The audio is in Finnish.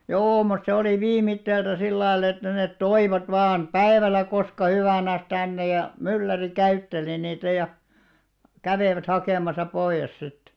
joo mutta se oli viimeiseltä sillä lailla että ne toivat vain päivällä koska hyvänsä tänne ja mylläri käytteli niitä ja kävivät hakemassa pois sitten